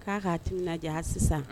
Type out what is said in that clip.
K'a k'a ti diya sisan